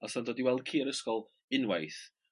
Os o'n dod i weld ci yr ysgol unwaith